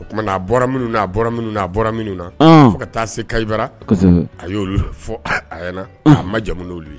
O tumana na a bɔra minnu aa minnu aa bɔra minnu na fo ka taa se ka a y'olu fo a a majamu'olu ye